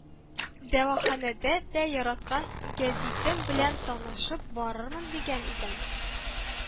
Дәваханәдә дә яраткан гәзитем белән танышып барырмын дигән идем